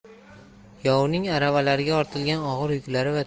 yovning aravalarga ortilgan og'ir yuklari va